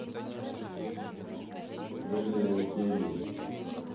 крылья империи